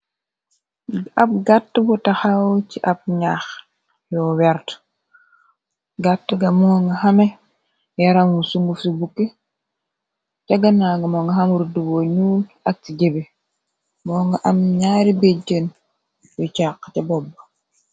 Ab gàtt bu taxaw ci ab naax, yo wert, gatt ga moo nga xame, yaram wu sunguf ci bukk, cagana ga moo nga xame ruddbo nuun, ak ci jébe, moo nga am ñaari béjjën yu càq ca bobb.